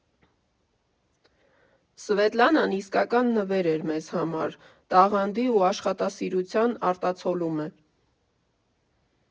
«Սվետլանան իսկական նվեր էր մեզ համար՝ տաղանդի ու աշխատասիրության արտացոլում է։